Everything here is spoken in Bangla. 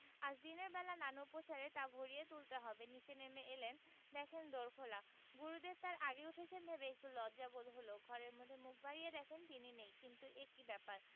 আজ দিনের বেলা নানা উপচারে তা ভরিয়ে তুলতে হবে নীচে নেমে এলেন দেখেন দোর খোলা গুরুদেব তাঁর আগে উঠেছেন ভেবে একটু লজ্জা বোধ হলো ঘরের মধ্যে মুখ বাড়িয়ে দেখেন তিনি নেই কিন্তু এ কি ব্যাপার